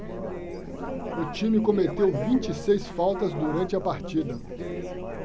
o time cometeu vinte e seis faltas durante a partida